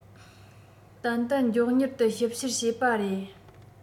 ཏན ཏན མགྱོགས མྱུར དུ ཞིབ བཤེར བྱས པ རེད